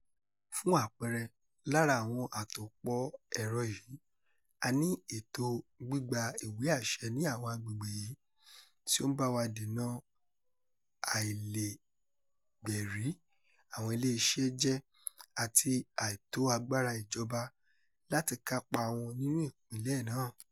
Fún àpẹẹrẹ [lára àwọn àtòpọ̀ ẹ̀rọ yìí], a ní ètòo gbígba ìwé àṣẹ ní àwọn agbègbè yìí [tí ó ń bá wa dènà] àìlègbẹ̀rí àwọn iléeṣẹ́ jẹ́ àti àìtó agbára ìjọba láti kápáa wọn nínú ìpínlẹ̀ náà.